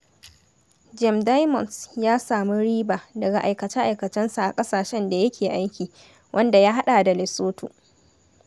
Gem Diamonds ya samu riba daga aikace-aikacen sa a ƙasashen da yake aiki, wanda ya haɗa da Lesotho.